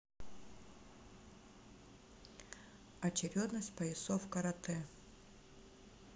очередность поясов карате